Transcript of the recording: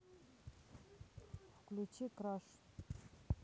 включи краш